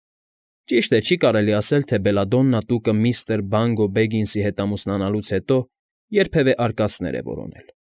Ճիշտ է, չի կարելի ասել, թե Բելադոննա Տուկը միստր Բանգո Բեգինսի հետ ամուսնանալուց հետո երբևէ արկածներ է որոնել։